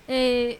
Ee